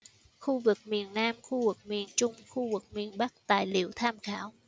khu vực miền nam khu vực miền trung khu vực miền bắc tài liệu tham khảo